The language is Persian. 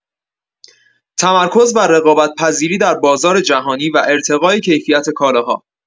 تمرکز بر رقابت‌پذیری در بازار جهانی و ارتقای کیفیت کالاها